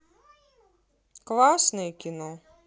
классное кино